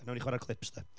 wnawn ni chwarae clips, de